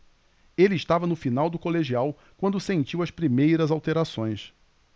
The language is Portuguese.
ele estava no final do colegial quando sentiu as primeiras alterações